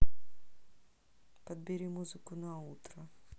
подбери музыку на утро